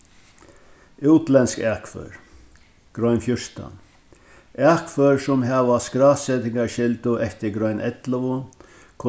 útlendsk akfør grein fjúrtan akfør sum hava skrásetingarskyldu eftir grein ellivu